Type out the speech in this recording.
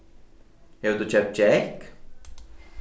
hevur tú keypt gekk